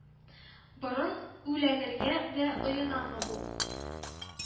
Борын үләнергә дә ыенамы бу